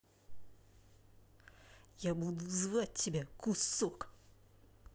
я буду звать тебя кусок